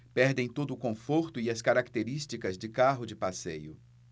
perdem todo o conforto e as características de carro de passeio